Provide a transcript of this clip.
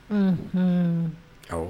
H aw